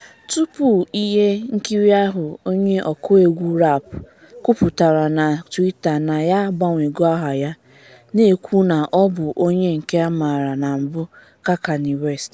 Tupu ihe nkiri ahụ onye ọkụ egwu rap a, kwuputara na Twitter na ya agbanwego aha ya, na-ekwu na ọ bụ “onye nke amaara na mbu ka Kanye West.”